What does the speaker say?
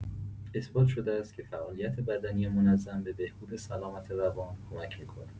اثبات‌شده است که فعالیت بدنی منظم به بهبود سلامت روان کمک می‌کند.